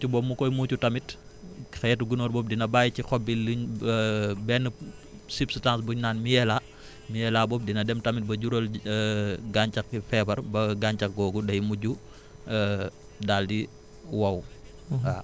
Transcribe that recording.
voilà muucu boobu mu koy muucu tamit xeetu gunóor boobu dina bàyyi ci xob bi liñ benn substance buñ naan miela miela boobu dina dem tamit ba jural gàncax bi feebar ba gàncax googu day mujj daal di wow